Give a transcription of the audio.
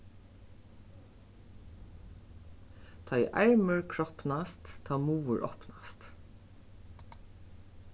tá ið armur kropnast tá muður opnast